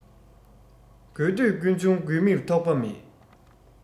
དགོས འདོད ཀུན འབྱུང དགོས མིར ཐོགས པ མེད